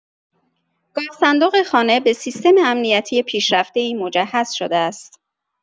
گاوصندوق خانه به سیستم امنیتی پیشرفته‌ای مجهز شده است.